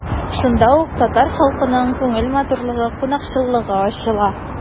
Шунда ук татар халкының күңел матурлыгы, кунакчыллыгы ачыла.